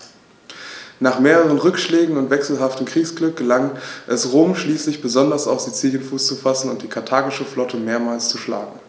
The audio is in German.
Nach mehreren Rückschlägen und wechselhaftem Kriegsglück gelang es Rom schließlich, besonders auf Sizilien Fuß zu fassen und die karthagische Flotte mehrmals zu schlagen.